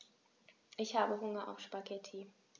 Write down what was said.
Ich habe Hunger auf Spaghetti.